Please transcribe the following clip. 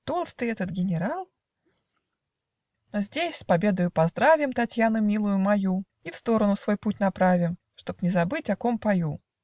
толстый этот генерал?" Но здесь с победою поздравим Татьяну милую мою И в сторону свой путь направим, Чтоб не забыть, о ком пою.